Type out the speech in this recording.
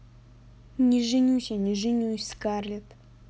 не женюсь я не женюсь скарлетт